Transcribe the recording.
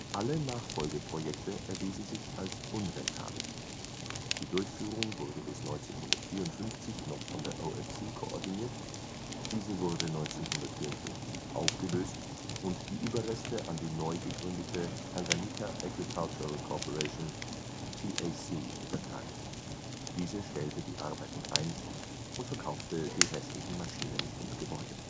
Alle Nachfolgeprojekte erwiesen sich als unrentabel. Die Durchführung wurde bis 1954 noch von der OFC koordiniert, diese wurde 1954 aufgelöst und die Überreste an die neu gegründete Tanganyika Agricultural Corporation (TAC) übertragen. Diese stellte die Arbeiten ein und verkaufte die restlichen Maschinen und Gebäude